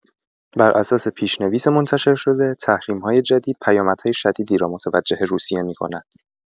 براساس پیش‌نویس منتشر شده، تحریم‌های جدید پیامدهای شدیدی را متوجه روسیه می‌کند.